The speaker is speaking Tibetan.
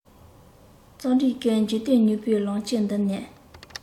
རྩོམ རིག གི འཇིག རྟེན ཉུལ པའི ལམ ཁྱེར འདི ནས